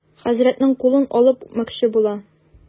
Хәзрәтнең кулын алып үпмәкче була.